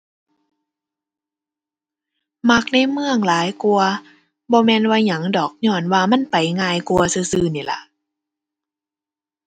มักในเมืองหลายกว่า บ่แม่นว่าหยังดอก ญ้อนว่ามันไปง่ายกว่าซื่อซื่อนี่ล่ะ